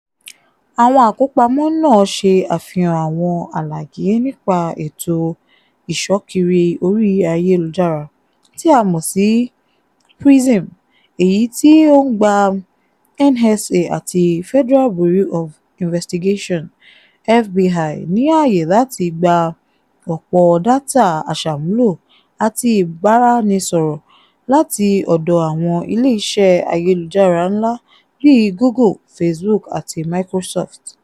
Àwọn àkópamọ́ náà ṣe àfihàn àwọn àlàyé nípa ètò ìṣọ́kiri orí Ayélujára tí a mọ̀ sí PRISM, èyí tí ó ń gba NSA àti Federal Bureau of Investigation (FBI) ní àyè láti gba ọ̀pọ̀ dátà aṣàmúlò àti ìbánisọ̀rọ̀ láti ọ̀dọ̀ àwọn ilé-iṣẹ́ Ayélujára ńlá bíi Google, Facebook, àti Microsoft.